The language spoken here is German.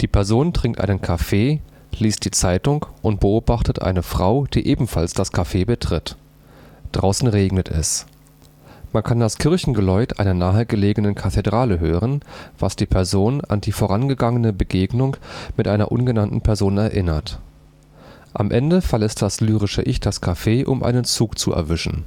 Die Person trinkt einen Kaffee, liest die Zeitung und beobachtet eine Frau, die ebenfalls das Café betritt. Draußen regnet es. Man kann das Kirchengeläut einer nahe gelegenen Kathedrale hören, was die Person an die vorangegangene Begegnung mit einer ungenannten Person erinnert. Am Ende verlässt das lyrische Ich das Café, um einen Zug zu erwischen